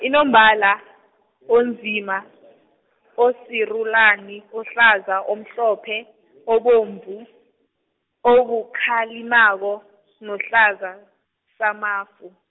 inombala, onzima, osarulani, ohlaza, omhlophe, obomvu, obukhalimako, nohlaza samafu.